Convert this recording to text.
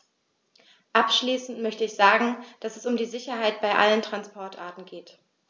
Abschließend möchte ich sagen, dass es um die Sicherheit bei allen Transportarten geht.